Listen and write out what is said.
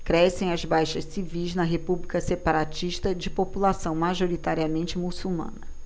crescem as baixas civis na república separatista de população majoritariamente muçulmana